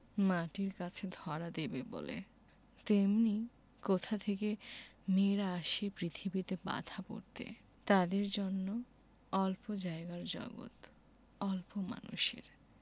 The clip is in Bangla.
মাটির কাছে ধরা দেবে বলে তেমনি কোথা থেকে মেয়েরা আসে পৃথিবীতে বাঁধা পড়তে তাদের জন্য অল্প জায়গার জগত অল্প মানুষের